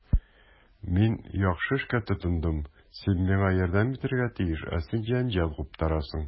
Мин яхшы эшкә тотындым, син миңа ярдәм итәргә тиеш, ә син җәнҗал куптарасың.